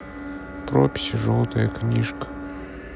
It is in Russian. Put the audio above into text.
прописи желтая книжка